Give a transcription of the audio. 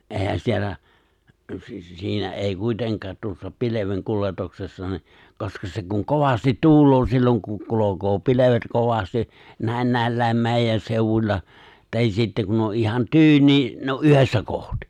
eihän siellä - siinä ei kuitenkaan tuossa pilvenkuljetuksessa niin koska se kun kovasti tuulee silloin kun kulkee pilvet kovasti näin näilläkin meidän seudulla tai sitten kun on ihan tyyni ne on yhdessä kohti